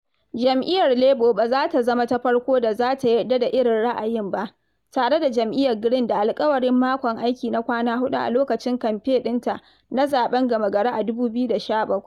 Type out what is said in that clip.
Jam'iyyar Labour ba za ta zama ta farko da za ta yarda da irin ra'ayin ba, tare da Jam'iyyar Green da alƙawarin makon aiki na kwana huɗu a lokacin kamfe ɗinta na zaɓen gama-gari a 2017.